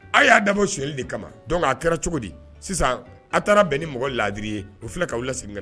A y'a dabo siɲɛli de kama dɔn a kɛra cogo di sisan a taara bɛn ni mɔgɔ laadiri u filɛ ka'aw lasigi